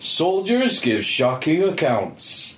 Soldiers give shocking accounts.